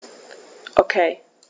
Okay.